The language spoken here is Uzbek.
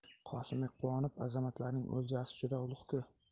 qosimbek quvonib azamatlarning o'ljasi juda ulug' ku